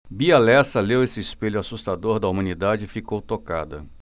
bia lessa leu esse espelho assustador da humanidade e ficou tocada